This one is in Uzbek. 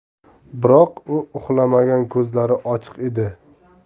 biroq u uxlamagan ko'zlari ochiq edi